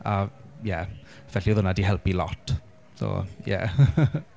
A ie felly oedd hwnna 'di helpu lot so ie .